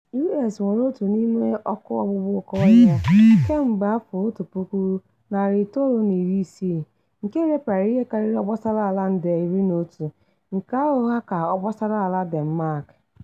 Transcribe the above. US nwere otu n'ime ọkụ ọgbụgba okéọhịa kemgbe 1960, nke repịara ihe karịrị obosaraala nde 11 (nke ahụ ha ka obosaraala Denmark).